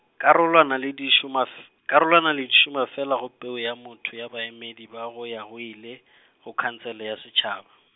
karolwana le di šoma f-, karolwana le di šoma fela go peo ya motho ya baemedi ba go ya go ile , go khansele ya setšhaba.